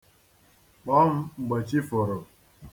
Kpọọ m mgbe chi foro.